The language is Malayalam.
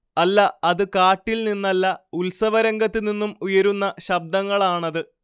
അല്ല അതു കാട്ടിൽ നിന്നല്ല ഉൽസവരംഗത്തുനിന്നും ഉയരുന്ന ശബ്ദങ്ങളാണത്